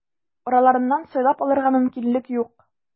Араларыннан сайлап алырга мөмкинлек юк.